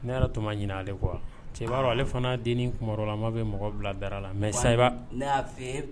Ne yɛrɛ to ma ɲinin ale cɛba ale fana dennin kiba la a bɛ mɔgɔ bila dara la mɛ